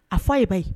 A fɔ a ye ba ye